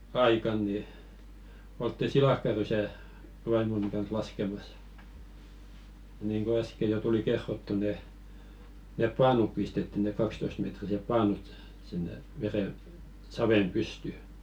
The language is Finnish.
oltiin silakkarysää vaimoni kanssa laskemassa niin kuin äsken jo tuli kerrottua ne ne paanut pistettiin ne kaksitoistametriset paanut sinne - saveen pystyyn